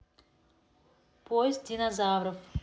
поезд динозавров